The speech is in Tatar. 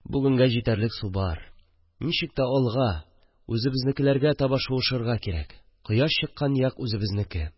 Бүгенгә җитәрлек су бар. Ничек тә алга, үзебезнекеләргә таба шуышырга кирәк. Кояш чыккан як үзебезнеке